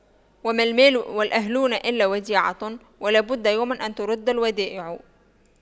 وما المال والأهلون إلا وديعة ولا بد يوما أن تُرَدَّ الودائع